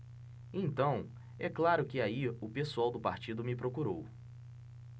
então é claro que aí o pessoal do partido me procurou